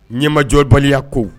Ne majɔbaliya ko